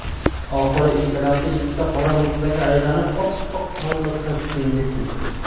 oxiri ikkalasi ikkita qora nuqtaga aylanib oppoq qorliqqa singib ketdi